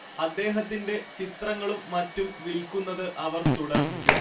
അദ്ദേഹത്തിന്റെ ചിത്രങ്ങളും മറ്റും വിൽക്കുന്നത് അവർ തുടർന്നു